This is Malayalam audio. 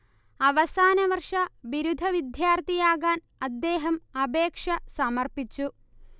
അവസാനവർഷ ബിരുദ വിദ്യാർത്ഥിയാകാൻ അദ്ദേഹം അപേക്ഷ സമർപ്പിച്ചു